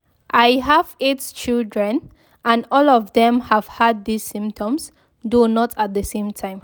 “I have eight children, and all of them have had these symptoms, though not at the same time.”